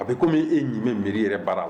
A bɛ komi e ɲuman bɛ miiri yɛrɛ baara la